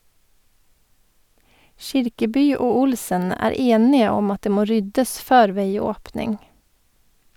Kirkeby og Olsen er enige om at det må ryddes før veiåpning.